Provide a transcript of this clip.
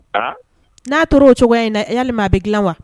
N'a tora o cogoya in na yalilima maa a bɛ dilan wa